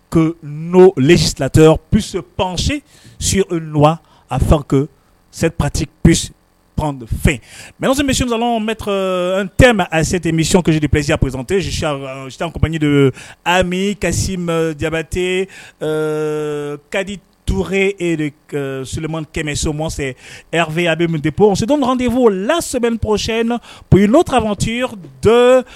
Ko n'o letɛ p panse siwa a fa se pati pan fɛn mɛ misila bɛ n tɛ a sete misikesidi presi psitesiku de a kasi ma jate kadi t soleman kɛmɛ soma fɛ fi bɛdi fo la sɛbɛn psiy in na p' yɔrɔ